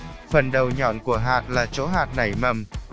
phần đầu nhọn của hạt là chỗ hạt nảy mầm